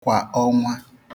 kwà ọnwa